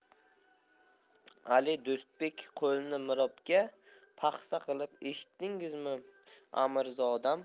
ali do'stbek qo'lini mirobga paxsa qilib eshitdingizmi amirzodam